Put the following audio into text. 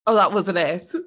Oh that wasn't it.